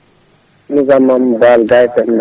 Moussa Mamma Gay Penda